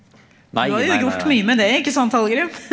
du har jo gjort mye med det, ikke sant Hallgrim?